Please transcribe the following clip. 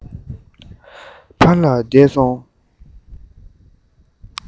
ཕར ལ འདས སོང